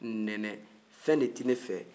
nɛnɛ fɛn de tɛ ne fɛ